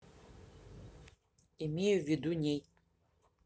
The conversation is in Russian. имею ввиду ней